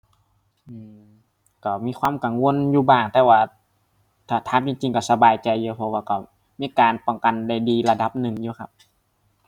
อือ ก็มีความกังวลอยู่บ้าง แต่ว่าถ้าถามจริงจริงก็สบายใจอยู่ เพราะว่าก็มีการป้องกันได้ดีระดับหนึ่งอยู่ครับ